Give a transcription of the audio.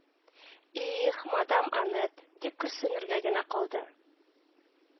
И-их, мадам Анет дип көрсенергә генә калды